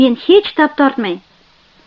men hech tap tortmay